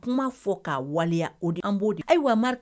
Kuma fɔ k ka waleya o di an b'o a ye